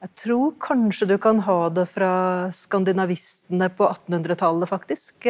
jeg tror kanskje du kan ha det fra skandinavistene på attenhundretallet faktisk.